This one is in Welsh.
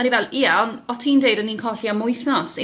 O'dd i fel, ie, ond o' ti'n deud o'n i'n colli am wythnos?